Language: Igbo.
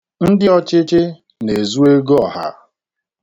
Ndị ọchịchị na-ezu ego ọha.